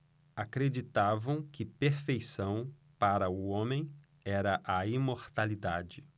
acreditavam que perfeição para o homem era a imortalidade